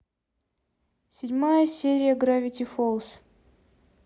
седьмая серия гравити фолз